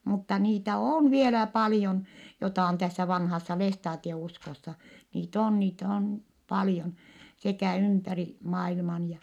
mutta niitä on vielä paljon jota on tässä vanhassa lestadiouskossa niitä on niitä on paljon sekä ympäri maailman ja